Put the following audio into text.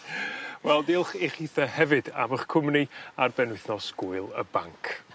Wel diolch i chithe hefyd am 'ych cwmni ar benwythnos gwyl y banc.